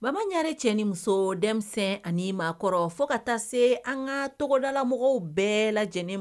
Bamanan yɛrɛre cɛ ni muso denmisɛnnin ani maakɔrɔ fo ka taa se an ka tɔgɔdalamɔgɔw bɛɛ la lajɛlen ma